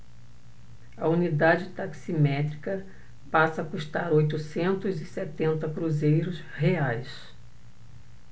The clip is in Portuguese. a unidade taximétrica passa a custar oitocentos e setenta cruzeiros reais